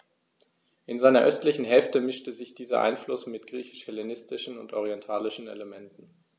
In seiner östlichen Hälfte mischte sich dieser Einfluss mit griechisch-hellenistischen und orientalischen Elementen.